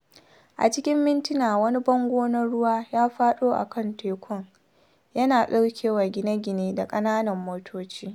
A cikin mintina wani bango na ruwa ya faɗo a kan tekun, yana ɗaukewa gine-gine da ƙananan motoci.